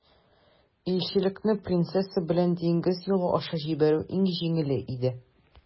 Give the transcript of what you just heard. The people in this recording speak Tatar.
Илчелекне принцесса белән диңгез юлы аша җибәрү иң җиңеле иде.